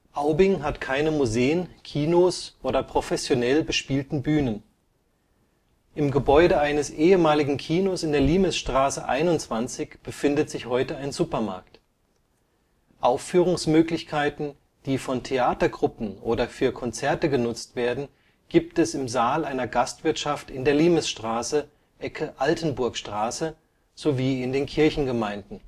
Aubing hat keine Museen, Kinos oder professionell bespielten Bühnen. Im Gebäude eines ehemaligen Kinos in der Limesstraße 21 befindet sich heute ein Supermarkt (Norma). Aufführungsmöglichkeiten, die von Theatergruppen oder für Konzerte genutzt werden, gibt es im Saal einer Gastwirtschaft in der Limesstraße, Ecke Altenburgstraße, sowie in den Kirchengemeinden